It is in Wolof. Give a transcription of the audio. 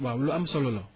waaw lu am solo la